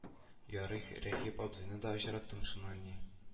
Ярар рахип абзыйны да очраттым шуннан ни